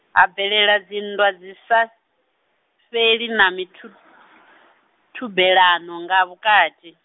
ha bveledza dzinndwa dzi sa fheli, na mithu- -thubelano nga vhukati.